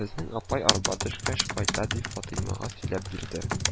– безнең апай арба төшкәч кайта, – дип, фатыймага сөйләп бирде